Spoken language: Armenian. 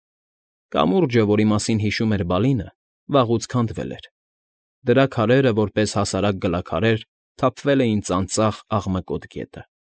Կամուրջը, որի մասին հիշում էր Բալինը, վաղուց քանդվել էր, դրա քարերը, որպես հասարակ գլաքարեր, թափվել էին ծանծաղ, աղմկոտ գետը։